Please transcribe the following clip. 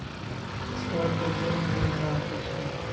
сколько денег на карточке